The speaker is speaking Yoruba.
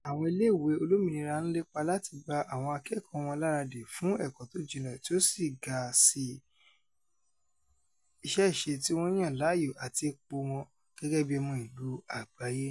Àwọn ilé ìwé olómìnira ńlépa láti gba àwọn akẹ́kọ̀ọ́ wọn lárádi fún ẹ̀kọ́ tójinlẹ̀ tí o síga síi, iṣẹ́-ìṣe tíwọ́n yàn láàyò àti ipò wọn gẹ̵́gẹ́bí ọmọ ìlú àgbáyé.